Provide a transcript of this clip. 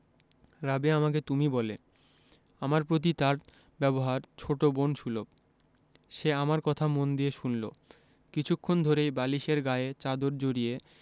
রাবেয়া আমাকে তুমি বলে আমার প্রতি তার ব্যবহার ছোট বোন সুলভ সে আমার কথা মন দিয়ে শুনলো কিছুক্ষণ ধরেই বালিশের গায়ে চাদর জড়িয়ে